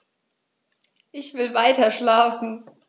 Ich will weiterschlafen.